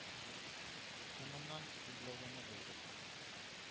Соңыннан сөйләгәне булды: